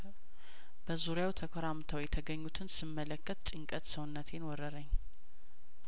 በዙሪያው ተኮራም ተው የተገኙትን ስመለከት ጭንቀት ሰውነቴን ወረረኝ